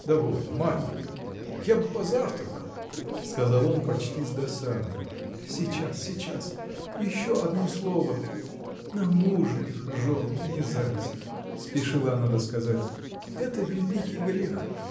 – Довольно, маменька; я бы позавтракал? – сказал он почти с досадой. – Сейчас, сейчас. еще одно слово. – На мужних жен не зарься – спешила она досказать – это великий грех!